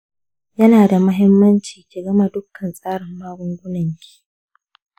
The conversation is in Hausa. yana da muhimmanci ki gama duka tsarin magungunan ki.